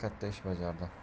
katta ish bajardi